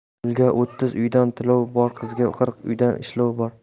o'g'ilga o'ttiz uydan tilov bor qizga qirq uydan ishlov bor